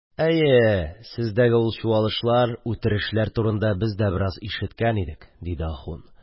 – әйе, сездәге ул чуалышлар, үтерешләр турында без дә бераз ишеткән идек, – диде ахун.